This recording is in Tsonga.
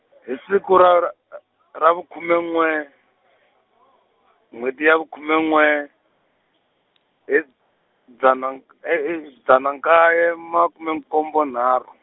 hi si ku ra ra ra vukhume n'we, n'wheti ya vukhume n'we, hi dzana nk-, he he dzana nkaye makume nkombo nharhu.